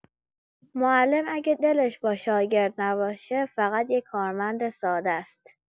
معلم اگه دلش با شاگرد نباشه، فقط یه کارمند ساده‌ست.